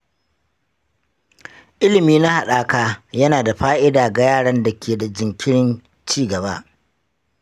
ilimi na haɗaka yana da fa'ida ga yaran da ke da jinkirin ci gaba.